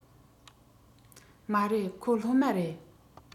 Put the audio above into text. མ རེད ཁོ སློབ མ རེད